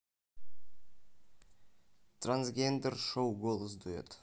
трансгендер шоу голос дуэт